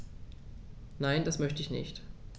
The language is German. Nein, das möchte ich nicht.